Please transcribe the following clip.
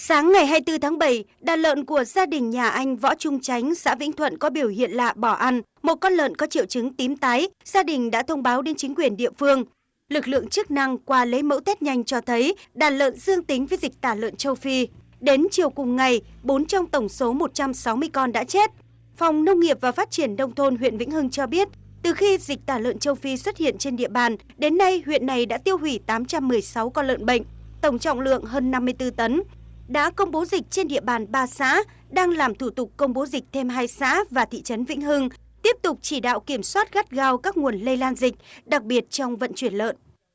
sáng ngày hai tư tháng bảy đàn lợn của gia đình nhà anh võ trung chánh xã vĩnh thuận có biểu hiện lạ bỏ ăn một con lợn có triệu chứng tím tái gia đình đã thông báo đến chính quyền địa phương lực lượng chức năng qua lấy mẫu tét nhanh cho thấy đàn lợn dương tính với dịch tả lợn châu phi đến chiều cùng ngày bốn trong tổng số một trăm sáu mươi con đã chết phòng nông nghiệp và phát triển nông thôn huyện vĩnh hưng cho biết từ khi dịch tả lợn châu phi xuất hiện trên địa bàn đến nay huyện này đã tiêu hủy tám trăm mười sáu con lợn bệnh tổng trọng lượng hơn năm mươi tư tấn đã công bố dịch trên địa bàn ba xã đang làm thủ tục công bố dịch thêm hai xã và thị trấn vĩnh hưng tiếp tục chỉ đạo kiểm soát gắt gao các nguồn lây lan dịch đặc biệt trong vận chuyển lợn